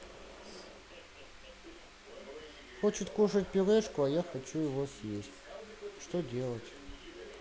хочет кушать пюрешку а я хочу его съесть что делать